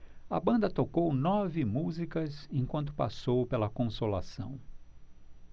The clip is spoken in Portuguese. a banda tocou nove músicas enquanto passou pela consolação